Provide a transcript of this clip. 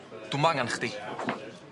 Dw'm angan chdi.